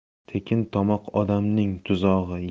tekin tomoq odamning tuzog'i